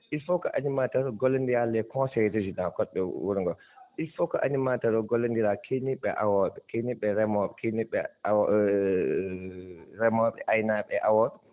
il faut animateur gollonndira e conseil résident koɗɗo wuro ngo il faut que animateur o gollondira keeniiɓe e awooɓe keniiɓe e remooɓe keniiɓe e remooɓe aynaaɓe e awooɓe